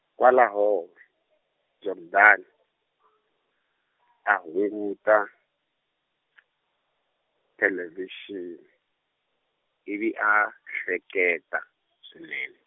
kwalaho , Jordaan , a hunguta , thelevhixini, ivi a ehleketa, swinene.